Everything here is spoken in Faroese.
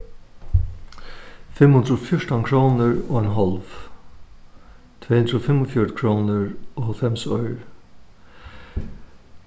fimm hundrað og fjúrtan krónur og ein hálv tvey hundrað og fimmogfjøruti krónur og hálvfems oyru